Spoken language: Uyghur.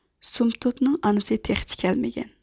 سۇمتوتنىڭ ئانىسى تېخىچە كەلمىگەن